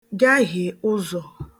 gahiè ụzọ̀